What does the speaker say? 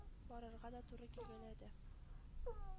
Барырга да туры килгәләде.